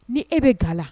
Ni e bɛ ga la